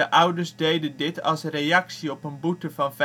ouders deden dit als reactie op een boete van